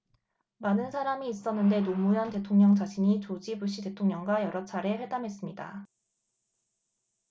많은 사람이 있었는데 노무현 대통령 자신이 조지 부시 대통령과 여러 차례 회담했습니다